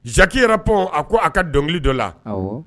Zaniakii yɛrɛɔ a ko a ka dɔnkili dɔ la